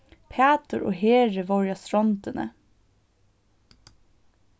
pætur og heri vóru á strondini